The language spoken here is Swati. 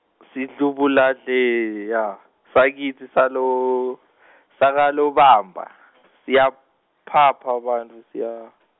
sidlubuladleya, sakitsi salo- sakaLobamba, siyaphapha bantfu siya-.